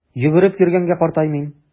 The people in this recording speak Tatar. Йөгереп йөргәнгә картаймыйм!